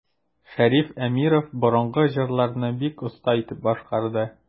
Шәриф Әмиров борынгы җырларны бик оста итеп башкарды.